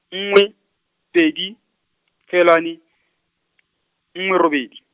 nngwe, pedi, feelwane, nngwe robedi.